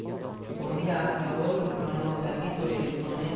so'nggi arxeologik malumotlarga ko'ra insoniyat